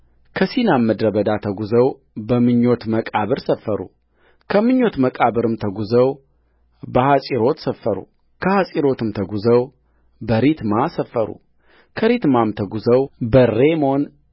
ከሲናም ምድረ በዳ ተጕዘው በምኞት መቃብር ሰፈሩከምኞት መቃብርም ተጕዘው በሐጼሮት ሰፈሩከሐጼሮትም ተጕዘው በሪትማ ሰፈሩከሪትማም ተጕዘው በሬሞን